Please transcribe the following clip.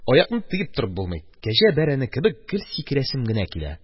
Аякны тыеп торып булмый, кәҗә бәрәне кебек гел сикерәсем генә килә.